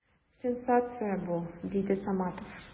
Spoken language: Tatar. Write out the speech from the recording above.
Сенсация бу! - диде Саматов.